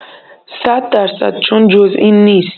صد در صد چون جز این نیست